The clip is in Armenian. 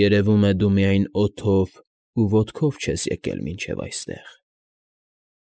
Երևում է դու միայն օդով ու ոտքով չես եկել մինչև այստեղ։